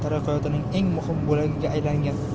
taraqqiyotining eng muhim bo'lagiga aylangan